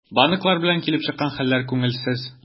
Банклар белән килеп чыккан хәлләр күңелсез.